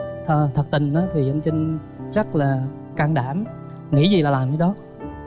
thờ thất tình á thì anh chinh rất là can đảm nghĩ gì là làm cái đó